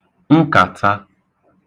nkàta